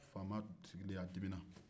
faama sigilen a dimina